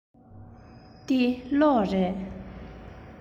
འདི གློག རེད